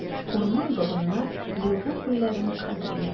Урман-болыннар, елга-күлләрем кадерле.